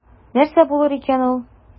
Нәрсә булыр икән ул?